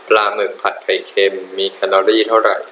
ปลาหมึกผัดไข่เค็มมีแคลอรี่เท่าไหร่